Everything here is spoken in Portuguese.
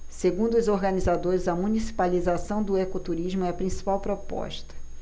segundo os organizadores a municipalização do ecoturismo é a principal proposta